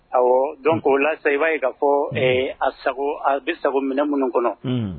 Ɔwɔ dɔn ko lasa i b'a ye ka fɔ a a bɛ sago minɛ minnu kɔnɔ